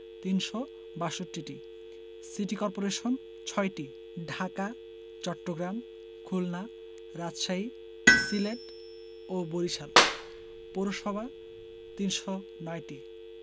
৩৬২টি city corporation ৬টি ঢাকা চট্টগ্রাম খুলনা রাজশাহী সিলেট ও বরিশাল পৌরসভা ৩০৯টি